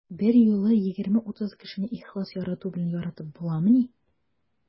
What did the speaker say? Берьюлы 20-30 кешене ихлас ярату белән яратып буламыни?